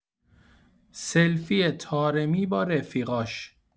سلفی طارمی با رفیقاش